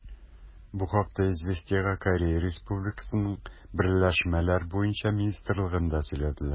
Бу хакта «Известия»гә Корея Республикасының берләшмәләр буенча министрлыгында сөйләделәр.